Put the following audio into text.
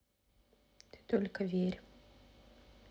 ты только верь